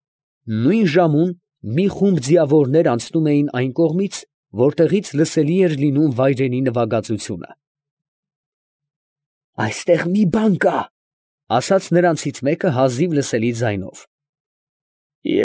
Նույն ժամուն մի խումբ ձիավորներ անցնում էին այն կողմից, որտեղից լսելի էր լինում վայրենի նվագածությունը։ ֊ Այստեղ մի բան կա, ֊ ասաց նրանցից մեկը հազիվ լսելի ձայնով։ ֊